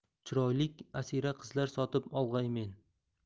chiroylik asira qizlar sotib olg'aymen